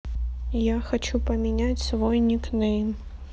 я хочу поменять свой никнейм